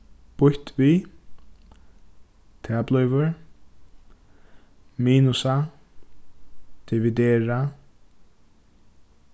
býtt við tað blívur minusa dividera